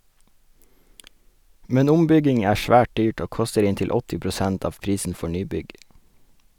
Men ombygging er svært dyrt, og koster inntil 80 prosent av prisen for nybygg.